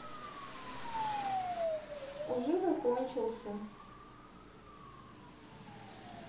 уже закончился